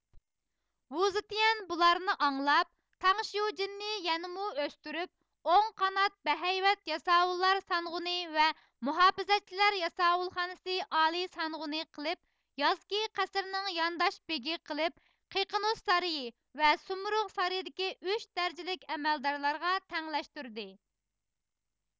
ۋۇزېتيەن بۇلارنى ئاڭلاپ تاڭشيۇجىننى يەنىمۇ ئۆستۈرۈپ ئوڭ قانات بەھەيۋەت ياساۋۇللار سانغۇنى ۋە مۇھاپىزەتچىلەر ياساۋۇلخانىسى ئالىي سانغۇنى قىلىپ يازكى قەسىرنىڭ يانداش بېگى قىلىپ قىقىنوس سارىيى ۋە سۇمرۇغ سارىيىدىكى ئۈچ دەرىجىلىك ئەمەلدارلارغا تەڭلەشتۈردى